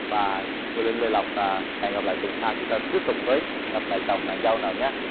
và quyền linh lê lộc à hẹn gặp lại tuần sau chúng ta tiếp tục với cặp mẹ chồng nàng dâu nào nhá